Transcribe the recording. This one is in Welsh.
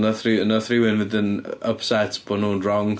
Wnaeth ry- wnaeth rywun fynd yn ypset bod nhw'n wrong.